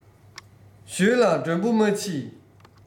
ཞོལ ལ མགྲོན པོ མ མཆིས